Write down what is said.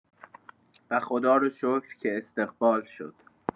و خدا رو شکر که استقبال شد.